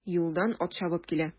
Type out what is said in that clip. Юлдан ат чабып килә.